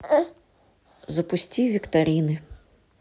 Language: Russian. запусти викторины